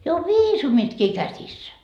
jo on viisumitkin käsissä